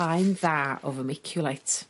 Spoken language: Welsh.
haen dda o vermiculite.